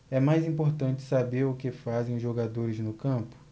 é mais importante saber o que fazem os jogadores no campo